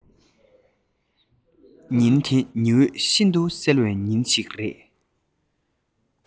ཉིན དེ ཉི འོད ཤིན ཏུ གསལ བའི ཉིན ཞིག རེད